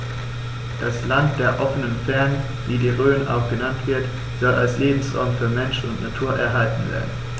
Das „Land der offenen Fernen“, wie die Rhön auch genannt wird, soll als Lebensraum für Mensch und Natur erhalten werden.